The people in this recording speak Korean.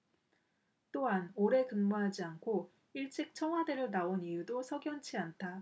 또한 오래 근무하지 않고 일찍 청와대를 나온 이유도 석연치 않다